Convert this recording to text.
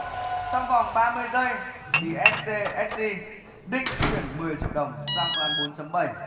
trong vòng ba mươi giây thì ét tê ét ti định chuyển mười triệu đồng sang phương án bốn chấm bẩy